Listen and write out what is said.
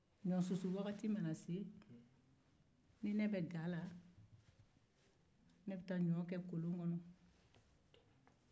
ɲɔsusuwaati mana se ni ne bɛ ga la ne bɛ taa ɲɔ kɛ kolon kɔnɔ